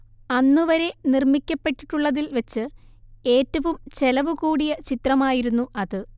അന്നുവരെ നിർമ്മിക്കപ്പെട്ടിട്ടുള്ളതിൽവച്ച് ഏറ്റവും ചെലവുകൂടിയ ചിത്രമായിരുന്നു അത്